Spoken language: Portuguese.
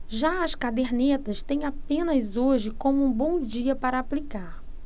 já as cadernetas têm apenas hoje como um bom dia para aplicar